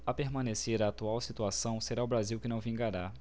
a permanecer a atual situação será o brasil que não vingará